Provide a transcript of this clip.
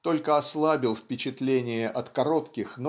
только ослабил впечатление от коротких